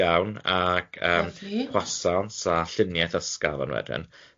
iawn, ac yym croissants a llunieth ysgafn wedyn